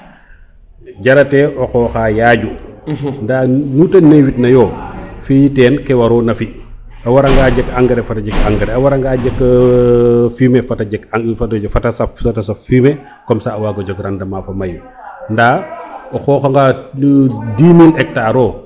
jarate o xoxa yaaju nda nute newit nayo fi i ten kle warona fi a wara nga jeg engrais fata jeg jeg engrais a wara nga jeg fumier fata jeg fata saf fumier comme ca o wago jeg rendement fo mayu nda o xoxa dix metre hectare o